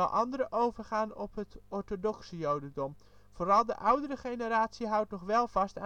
anderen overgaan op het orthodoxe jodendom. Vooral de oudere generatie houdt nog wel vast